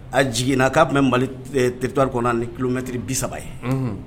A jigin na k'a tun bɛ mali teritari kɔnɔ ni ki kulomɛtiriri bi saba ye